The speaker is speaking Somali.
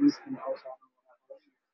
iyo shaati cadaan